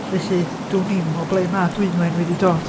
felly dwn i'm o ble ma' Dwynwen wedi dod.